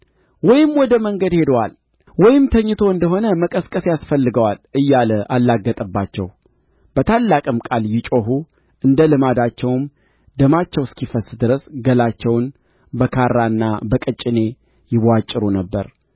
ወይም ወደ መንገድ ሄዶአል ወይም ተኝቶ እንደ ሆነ መቀስቀስ ያስፈልገዋል እያለ አላገጠባቸው በታላቅም ቃል ይጮኹ እንደ ልማዳቸውም ደማቸው እስኪፈስስ ድረስ ገላቸውን በካራና በቀጭኔ ይብዋጭሩ ነበር